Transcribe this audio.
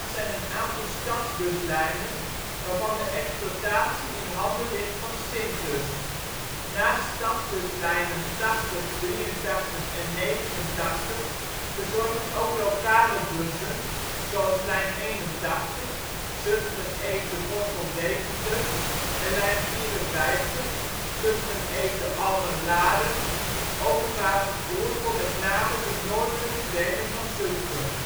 zijn een aantal stadsbuslijnen, waarvan de exploitatie in handen ligt van Syntus. Naast stadsbuslijnen 80, 83 en 89 verzorgen ook lokale bussen zoals lijn 81 (Zutphen - Eefde - Gorssel - Deventer) en lijn 54 (Zutphen - Eefde - Almen - Laren) openbaar vervoer voor met name de noordelijke delen van Zutphen